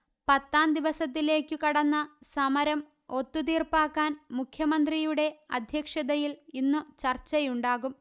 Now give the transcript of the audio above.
പത്താം ദിവസത്തിലേക്കു കടന്ന സമരം ഒത്തുതീർപ്പാക്കാൻമുഖ്യമന്ത്രിയുടെ അധ്യക്ഷതയിൽ ഇന്നു ചർച്ചയുണ്ടാകും